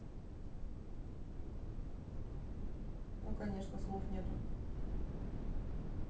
ну конечно слов нету